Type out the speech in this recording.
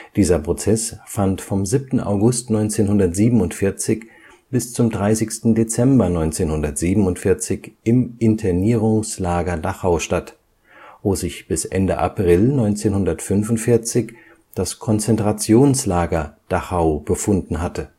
Dieser Prozess fand vom 7. August 1947 bis zum 30. Dezember 1947 im Internierungslager Dachau statt, wo sich bis Ende April 1945 das Konzentrationslager Dachau befunden hatte